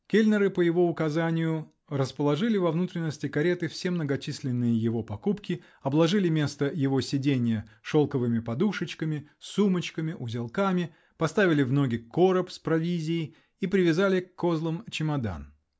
Кельнеры, по его указанию, расположили во внутренности кареты все многочисленные его покупки, обложили место его сиденья шелковыми подушечками, сумочками, узелками, поставили в ноги короб с провизией и привязали к козлам чемодан.